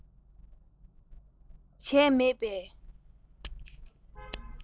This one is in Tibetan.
བྱས མེད པས